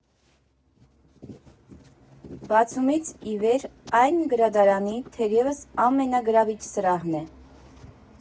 Բացումից ի վեր այն գրադարանի, թերևս, ամենագրավիչ սրահն է։